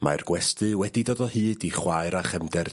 Mae'r gwesty wedi dod o hyd i chwaer a chefnder...